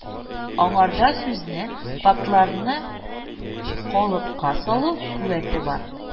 Аңарда сүзне, фактларны калыпка салу куәте бар